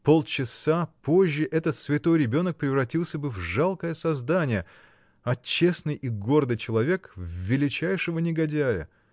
полчаса позже этот святой ребенок превратился бы в жалкое создание, а “честный и гордый” человек в величайшего негодяя!